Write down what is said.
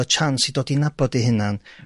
y chance i dod i nabod i hunan